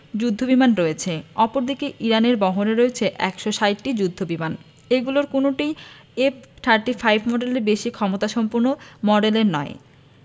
যুদ্ধবিমান রয়েছে অপরদিকে ইরানের বহরে রয়েছে ১৬০টি যুদ্ধবিমান এগুলোর কোনোটিই এফ থার্টি ফাইভ মডেলের বেশি ক্ষমতাসম্পন্ন মডেলের নয়